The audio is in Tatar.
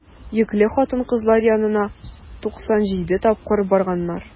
Йөкле хатын-кызлар янына 97 тапкыр барганнар.